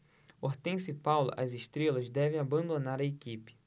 hortência e paula as estrelas devem abandonar a equipe